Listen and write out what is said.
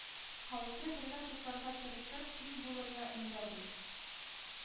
Халыкны бергә тупларга тырышып, ил булырга өндәде